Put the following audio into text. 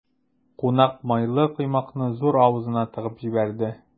Кунак майлы коймакны зур авызына тыгып җибәрде.